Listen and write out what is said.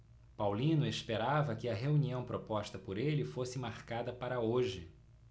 paulino esperava que a reunião proposta por ele fosse marcada para hoje